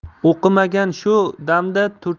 o'qimagan shu damda